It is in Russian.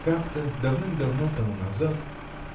Как-то, давным-давно тому назад,